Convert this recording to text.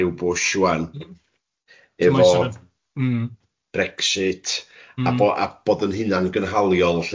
ryw bwsh ŵan efo... Mm... Brexit... Mm.. a bo- a bod yn hunangynhaliol 'lly